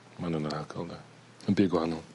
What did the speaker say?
Na' nw 'n anhygol 'de. Yn byd gwa'anol.